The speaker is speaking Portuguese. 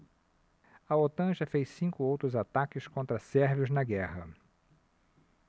a otan já fez cinco outros ataques contra sérvios na guerra